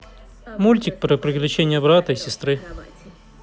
мультик про приключения брата и сестры